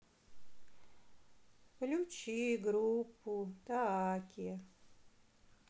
включи группу тааке